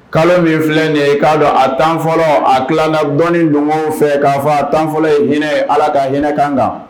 Kalo min filɛ de ye k'a dɔn a tan fɔlɔ a tilala dɔɔninɔni don fɛ k'a fɔ a tan fɔlɔ ye hinɛ ala ka hinɛ kan kan